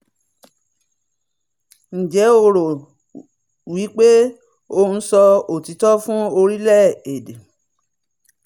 Ǹjẹ́ o rò wí pé ó ń sọ òtítọ́ fún orílẹ̀-èdè?